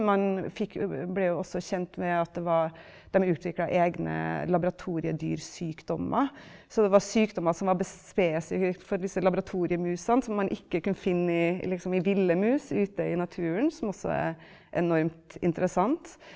man fikk ble jo også kjent med at det var dem utvikla egne laboratoriumdyrsykdommer, så det var sykdommer som var spesifikk for disse laboratoriemusene som man ikke kunne finne i liksom i ville mus ute i naturen som også er enormt interessant.